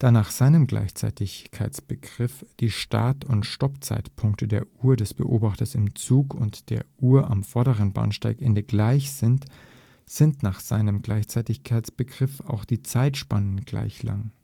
nach seinem Gleichzeitigkeitsbegriff die Start - und Stoppzeitpunkte der Uhr des Beobachters im Zug und der Uhr am vorderen Bahnsteigende gleich sind, sind nach seinem Gleichzeitigkeitsbegriff auch die Zeitspannen gleich lang